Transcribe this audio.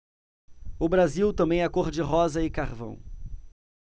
o brasil também é cor de rosa e carvão